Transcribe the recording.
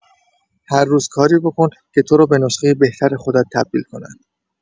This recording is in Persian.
هر روز کاری بکن که تو را به نسخه بهتر خودت تبدیل کند.